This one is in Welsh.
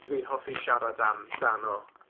dwi'n hoffi siarad amdano.